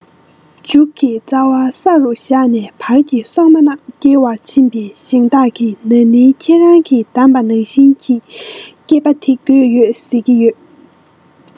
མཇུག གི ཙ བ ས རུ བཞག ནས བར གྱི སོག མ རྣམས སྐྱེལ བར ཕྱིན པས ཞིང བདག གིས ན ནིང ཁྱེད རང གི བདམས བ ནང བཞིན གྱི སྐྱེད པ དེ དགོས ཡོད ཟེ གྱི ཡོད